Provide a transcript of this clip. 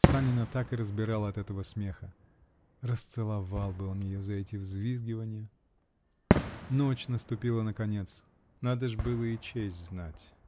Санина так и разбирало от этого смеха -- расцеловал бы он ее за эти взвизгиванья! Ночь наступила наконец. Надо ж было и честь знать!